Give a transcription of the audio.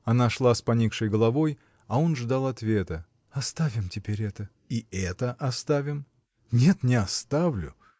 Она шла с поникшей головой, а он ждал ответа. — Оставим теперь это. — И это оставим? Нет, не оставлю!